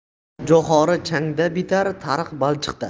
jo'xori changda bitar tariq balchiqda